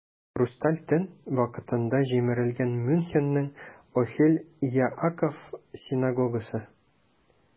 "хрусталь төн" вакытында җимерелгән мюнхенның "охель яаков" синагогасы.